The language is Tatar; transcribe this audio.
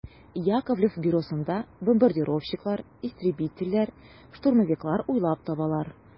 Яковлев бюросында бомбардировщиклар, истребительләр, штурмовиклар уйлап табалар.